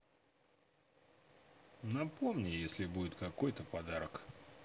напомни если будет какой то подарок